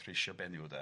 Treisio benyw, 'de.